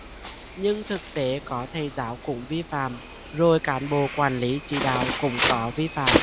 nhưng thực tế có thầy giáo cũng vi phạm rồi cán bộ quản lý chỉ đạo cũng có vi phạm